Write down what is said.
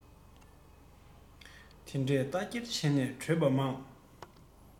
དེ འདྲས རྟ འཁྱེར བྱས ནས བྲོས པ མང